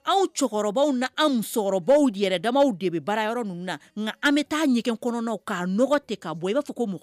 Anw cɛkɔrɔbaw ni anw musokɔrɔbaw yɛrɛ damaw de bɛ baara yɔrɔ ninnu na nka an bɛ taa ɲɛgɛn kɔnɔ k'aɔgɔn tɛ ka bɔ i b'a fɔ ko mɔ